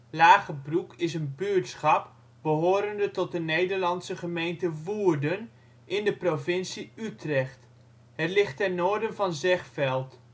Lagebroek is een buurtschap behorende tot de Nederlandse gemeente Woerden, in de provincie Utrecht. Het ligt ten noorden van Zegveld